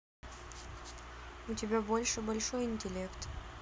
у тебя больше большой интеллект